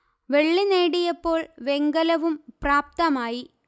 വെള്ളി നേടിയപ്പോൾ വെങ്കലവും പ്രാപ്തമായി